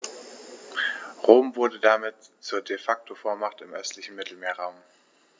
Rom wurde damit zur ‚De-Facto-Vormacht‘ im östlichen Mittelmeerraum.